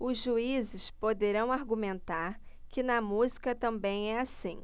os juízes poderão argumentar que na música também é assim